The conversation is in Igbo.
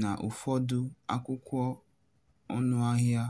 na ụfọdụ akwụkwọ ọnụahịa.